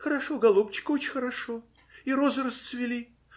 - Хорошо, голубчик, очень хорошо. И розы расцвели.